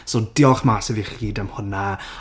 So diolch massive i chi gyd am hwnna.